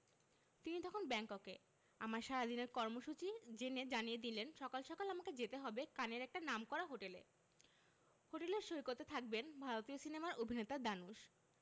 তিনি তখন ব্যাংককে আমার সারাদিনের কর্মসূচি জেনে জানিয়ে দিলেন সকাল সকাল আমাকে যেতে হবে কানের একটা নামকরা হোটেলে হোটেলের সৈকতে থাকবেন ভারতীয় সিনেমার অভিনেতা ধানুশ